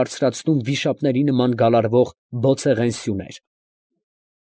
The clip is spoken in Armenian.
Բարձրացնում վիշապների նման գալարվող բոցեղեն սյուներ։